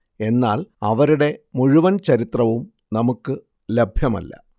എന്നാൽ അവരുടെ മുഴുവൻ ചരിത്രവും നമുക്ക് ലഭ്യമല്ല